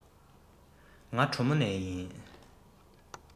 ང གྲོ མོ ནས ཡིན